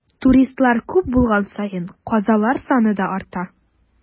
Туристлар күп булган саен, казалар саны да арта.